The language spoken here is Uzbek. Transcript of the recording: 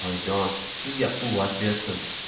oyijon sizga quvvat bersin